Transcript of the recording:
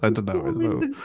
I don't know.